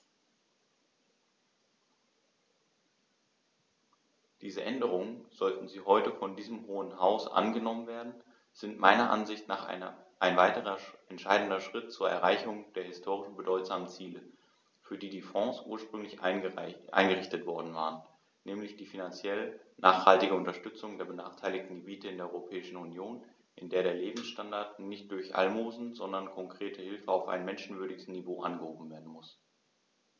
Diese Änderungen, sollten sie heute von diesem Hohen Haus angenommen werden, sind meiner Ansicht nach ein weiterer entscheidender Schritt zur Erreichung der historisch bedeutsamen Ziele, für die die Fonds ursprünglich eingerichtet worden waren, nämlich die finanziell nachhaltige Unterstützung der benachteiligten Gebiete in der Europäischen Union, in der der Lebensstandard nicht durch Almosen, sondern konkrete Hilfe auf ein menschenwürdiges Niveau angehoben werden muss.